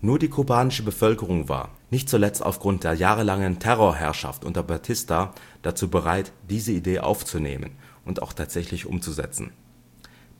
Nur die kubanische Bevölkerung war, nicht zuletzt aufgrund der jahrelangen Terrorherrschaft unter Batista, dazu bereit diese Idee aufzunehmen und auch tatsächlich umzusetzen.